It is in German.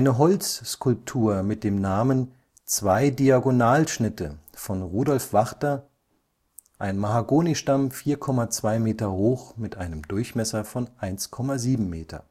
Holzskulptur Zwei Diagonalschnitte von Rudolf Wachter, 1983, ein Mahagonistamm, 4,2 m hoch, Durchmesser 1,7 m